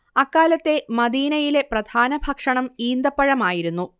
അക്കാലത്തെ മദീനയിലെ പ്രധാന ഭക്ഷണം ഈന്തപഴം ആയിരുന്നു